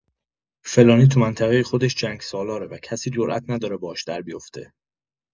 فلانی تو منطقه خودش جنگ‌سالاره و کسی جرات نداره باهاش دربیفته.